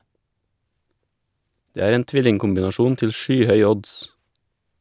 Det er en tvillingkombinasjon til skyhøy odds.